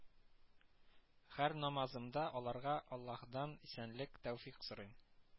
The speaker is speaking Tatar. Һәр намазымда аларга аллаһыдан исәнлек-тәүфыйк сорыйм